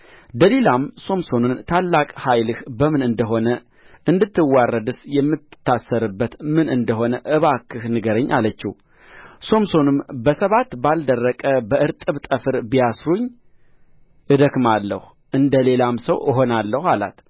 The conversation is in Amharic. ደሊላም ሶምሶንን ታላቅ ኃይልህ በምን እንደ ሆነ እንድትዋረድስ የምትታሰርበት ምን እንደ ሆነ እባክህ ንገረኝ አለችው ሶምሶንም በሰባት ባልደረቀ በእርጥብ ጠፍር ቢያስሩኝ እደክማለሁ እንደ ሌላም ሰው እሆናለሁ አላት